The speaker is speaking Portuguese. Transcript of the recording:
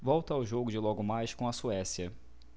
volto ao jogo de logo mais com a suécia